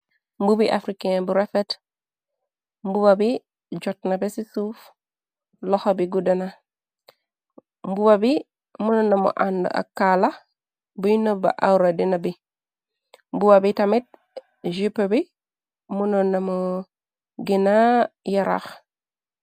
mbubi africain bu refet, mbuba bi jotna be ci suuf. Loxa bi guddana, mbuba bi mëno namu ànd ak kaala buy nëba awrabi deuna bi. Mbuba bi tamit, zipa bi, muno namu genaa yaraax.